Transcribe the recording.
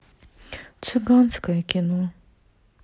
цыганское кино